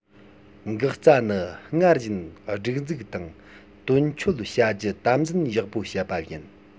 འགག རྩ ནི སྔར བཞིན སྒྲིག འཛུགས དང དོན འཁྱོལ བྱ རྒྱུ དམ འཛིན ཡག པོ བྱེད པ ཡིན